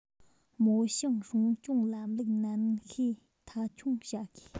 རྨོ ཞིང སྲུང སྐྱོང ལམ ལུགས ནན ཤོས མཐའ འཁྱོངས བྱ དགོས